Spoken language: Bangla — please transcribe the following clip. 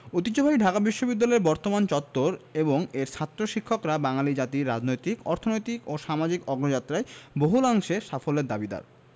ঐতিহ্যবাহী ঢাকা বিশ্ববিদ্যালয়ের বর্তমান চত্বর এবং এর ছাত্র শিক্ষকরা বাঙালি জাতির রাজনৈতিক অর্থনৈতিক ও সামাজিক অগ্রযাত্রায় বহুলাংশে সাফল্যের দাবিদার